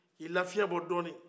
k'a lafiɲɛ bɔ dɔni